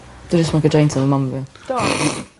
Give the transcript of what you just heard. Dwi 'di smocio joint efo mam fi. Do?